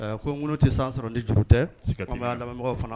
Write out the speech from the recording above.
Ɛ Ko ŋunu tɛ san sɔrɔ ni juru tɛ. Siga t'o la! An bɛ an lamɛnbagaw fana fo.